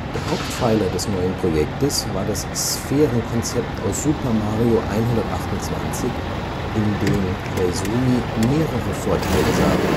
Der Hauptpfeiler des neuen Projektes war das Sphären-Konzept aus Super Mario 128, in dem Koizumi mehrere Vorteile sah